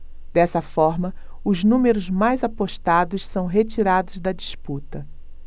dessa forma os números mais apostados são retirados da disputa